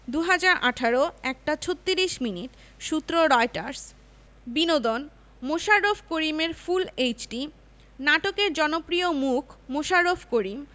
২০১৮ ১ টা ৩৬ মিনিট সূত্রঃ রয়টার্স বিনোদন মোশাররফ করিমের ফুল এইচডি নাটকের জনপ্রিয় মুখ মোশাররফ করিম